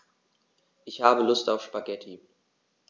Ich habe Lust auf Spaghetti.